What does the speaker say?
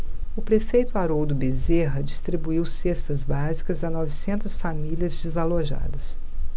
o prefeito haroldo bezerra distribuiu cestas básicas a novecentas famílias desalojadas